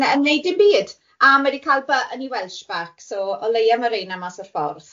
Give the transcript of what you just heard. ...ne- yn neud dim byd a ma di cal by yn ei Welsh back so o leia ma reina mas o'r ffordd.